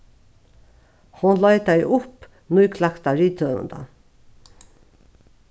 hon leitaði upp nýklakta rithøvundan